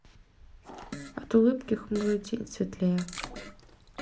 от улыбки хмурый день светлее